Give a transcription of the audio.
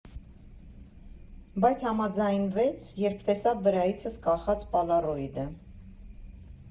Բայց համաձայնվեց, երբ տեսավ վրայիցս կախած պալառոիդը։